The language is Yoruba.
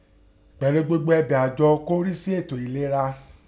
Pẹ̀lú gbogbo ẹ̀bẹ̀ àjọ tó ń rí sí ètò ìlera